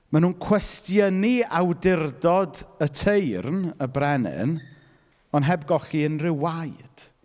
Maen nhw'n cwestiynu awdurdod y teyrn, y brenin, ond heb golli unrhyw waed.